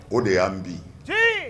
O de y'an bi